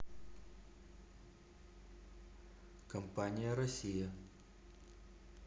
компания россия